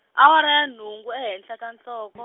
awara ya nhungu e hehla ka nhloko.